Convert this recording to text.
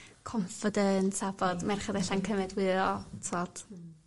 confident a bod merchad e'lla'n cymryd t'od.